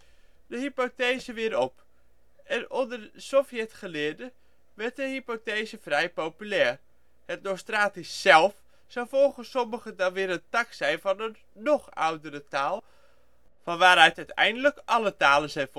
de hypothese weer op, en onder Sovjetgeleerden werd de hypothese vrij populair. Het Nostratisch zelf zou volgens sommigen dan weer een tak zijn van een nóg oudere taal, van waaruit uiteindelijk alle talen zijn voortgekomen